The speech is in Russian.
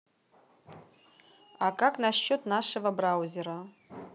а как насчет нашего браузера